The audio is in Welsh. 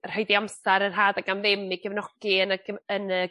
rhoid 'u amsar yn rhad ac am ddim neu gefnogi yn y gym- yn y